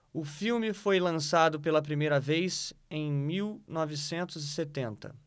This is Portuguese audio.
o filme foi lançado pela primeira vez em mil novecentos e setenta